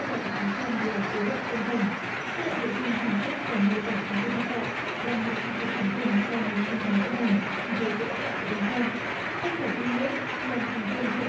tả tổng thống trăm là rối loạn tâm thần kết luận nội dung trong sách còn mô tả chính quyền hiện tại đang bị suy sụp thần kinh sau mười chín tháng vận hành dưới sự lãnh đạo của ông trăm tác giả gút guốt là một thành viên trong